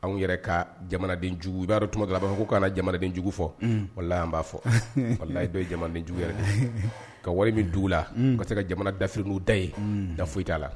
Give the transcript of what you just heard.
Anw yɛrɛ ka jamanadenjugu u'a tumama dɔrɔn b'a fɔ ko' jamanadenjugu fɔ walala an b'a fɔlayi dɔ jamanadenjugu yɛrɛ de ka wari min dugu la ka se ka jamana daffinin da ye da foyi t' la